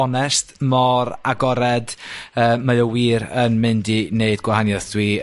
onest, mor agored, yy mae o wir yn mynd i wneud gwahanieth dwi